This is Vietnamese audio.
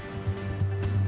từ